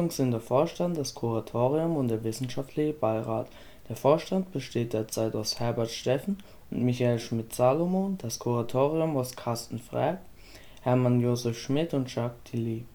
Vorstand, das Kuratorium und der wissenschaftliche Beirat. Der Vorstand besteht derzeit aus Herbert Steffen und Michael Schmidt-Salomon, das Kuratorium aus Carsten Frerk, Hermann Josef Schmidt und Jacques Tilly